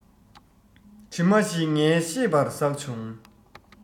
གྲིབ མ ཞིག ངའི ཤེས པར ཟགས བྱུང